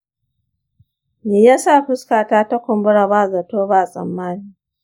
me ya sa fuskata ta kumbura ba zato ba tsammani?